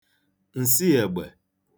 ǹsị ègbè